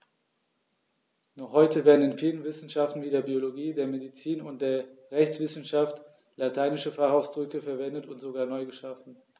Noch heute werden in vielen Wissenschaften wie der Biologie, der Medizin und der Rechtswissenschaft lateinische Fachausdrücke verwendet und sogar neu geschaffen.